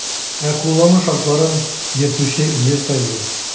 Ә кулланылу шартларын йөртүче үзе сайлый.